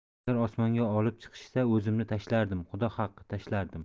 agar osmonga olib chiqishsa o'zimni tashlardim xudo haqqi tashlardim